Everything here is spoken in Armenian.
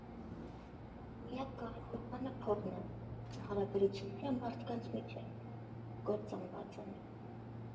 Միակ կարևոր բանը փողն է, հարաբերությունները մարդկանց միջև կործանված են։